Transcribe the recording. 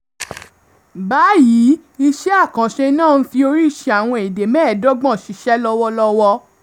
Báyìí, iṣẹ́ àkànṣe náà ń fi oríṣi àwọn èdè 25 ṣiṣẹ́ lọ́wọ́lọ́wọ́.